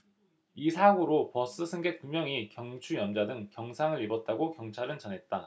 이 사고로 버스 승객 두 명이 경추염좌 등 경상을 입었다고 경찰은 전했다